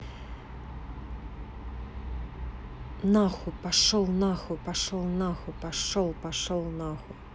нахуй пошел нахуй пошел нахуй пошел пошел на хуй